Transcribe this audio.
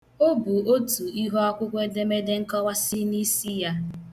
O bu otu ihuakwụkwọ edemede nkọwasị n' isi ya.